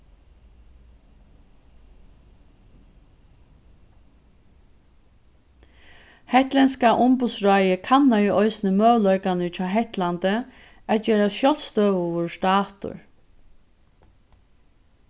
hetlendska umboðsráðið kannaði eisini møguleikarnar hjá hetlandi at gerast sjálvstøðugur statur